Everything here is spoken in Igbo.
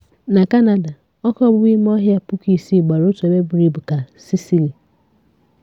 Na Kanada, ọkụ ọgbụgba ịme ọhịa 6000 gbara otu ebe buru ibu ka Sicily.